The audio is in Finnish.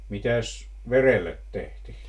mitäs verelle tehtiin